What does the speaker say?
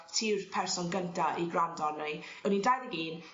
ti yw'r person gynta i gwrando arno i. O'n i'n dau ddeg un